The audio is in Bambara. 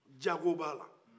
jago bɛ a la